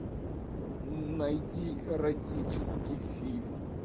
найди эротический фильм